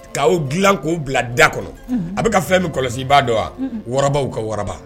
Ka aw dilan k'o bila da kɔnɔ, a bɛ ka fɛn min kɔlɔsi i b'a dɔn wa? Warabaw ka waraba.